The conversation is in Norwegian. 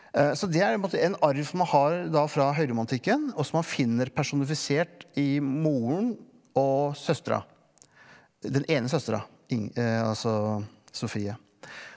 så det er på en måte en arv man har da fra høyromantikken og som man finner personifisert i moren og søstera den ene søstera altså Sofie.